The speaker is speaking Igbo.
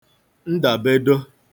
ndabedo